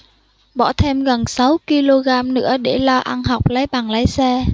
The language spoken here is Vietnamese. bỏ thêm gần sáu ki lô gam nữa để lo ăn học lấy bằng lái xe